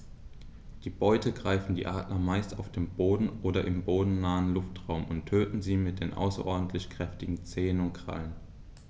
Die Beute greifen die Adler meist auf dem Boden oder im bodennahen Luftraum und töten sie mit den außerordentlich kräftigen Zehen und Krallen.